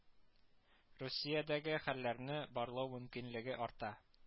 Русиядәге хәлләрне барлау мөмкинлеге арта